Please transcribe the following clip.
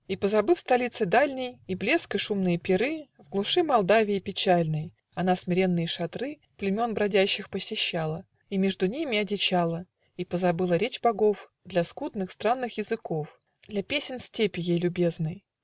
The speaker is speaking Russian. И, позабыв столицы дальной И блеск и шумные пиры, В глуши Молдавии печальной Она смиренные шатры Племен бродящих посещала, И между ими одичала, И позабыла речь богов Для скудных, странных языков, Для песен степи, ей любезной.